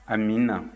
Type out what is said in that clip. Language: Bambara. amiina